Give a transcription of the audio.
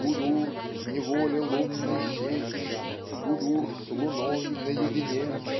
Гудур в неволе лунной сети. Гудур с луной наедине. .